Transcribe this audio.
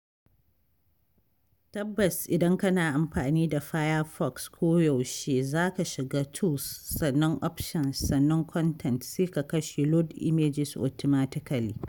(Tabbas idan kana amfani da Firefox koyaushe za ka shiga ;Tools' sannan 'Option' sannan 'Content' sai ka kashe ''Load images autimatically')